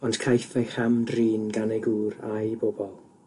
ond caiff ei cham-drin gan ei gŵr a'i bobl.